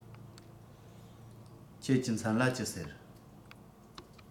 ཁྱེད ཀྱི མཚན ལ ཅི ཟེར